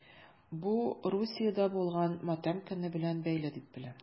Бу Русиядә булган матәм көне белән бәйле дип беләм...